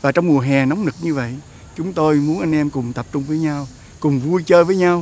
và trong mùa hè nóng nực như vậy chúng tôi muốn anh em cùng tập trung với nhau cùng vui chơi với nhau